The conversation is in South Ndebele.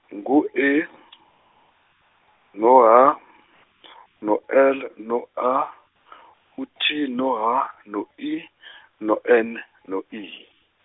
ngu E , no H , no L, no A , u T, no H, no I , no N, no I.